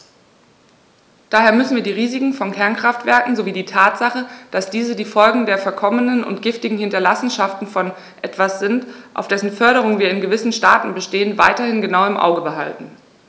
Daher müssen wir die Risiken von Kernkraftwerken sowie die Tatsache, dass diese die Folgen der verkommenen und giftigen Hinterlassenschaften von etwas sind, auf dessen Förderung wir in gewissen Staaten bestehen, weiterhin genau im Auge behalten.